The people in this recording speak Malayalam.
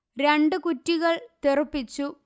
രണ്ടു കുറ്റികൾ തെറുപ്പിച്ചു